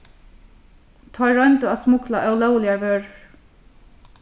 teir royndu at smugla ólógligar vørur